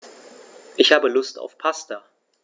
Ich habe Lust auf Pasta.